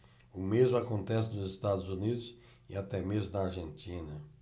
o mesmo acontece nos estados unidos e até mesmo na argentina